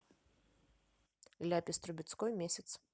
ляпис трубецкой месяц